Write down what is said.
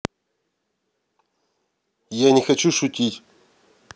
я не хочу шутить